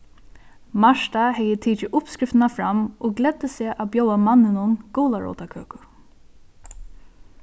marta hevði tikið uppskriftina fram og gleddi seg at bjóða manninum gularótakøku